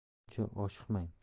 muncha oshiqmang